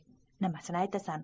nimasini aytasan